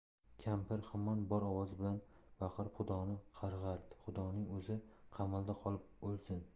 kampir hamon bor ovozi bilan baqirib xudoni qarg'ardi xudoning o'zi qamalda qolib o'lsin